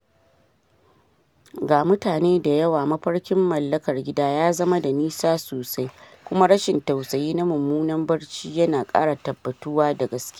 Ga mutane da yawa mafarkin mallakar gida ya zama da nisa sosai, kuma rashin tausayi na mummunan barci yana kara tabbatuwa da gaske. "